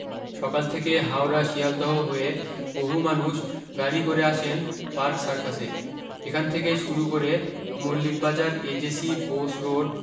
সকাল থেকে হাওড়া শিয়ালদহ হয়ে বহু মানুষ গাড়ী করে আসেন পার্ক সার্কাসে এখান থেকে শুরু করে মল্লিকবাজার এজেসি বোস রোড